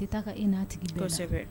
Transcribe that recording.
I taa e n'a tigi kɔ kosɛbɛ